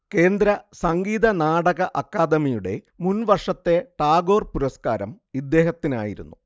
കേന്ദ്രസംഗീതനാടക അക്കാദമിയുടെ മുൻവർഷത്തെ ടാഗോർ പുരസ്കാരം ഇദ്ദേഹത്തിനായിരുന്നു